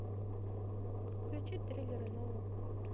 включи триллеры на окко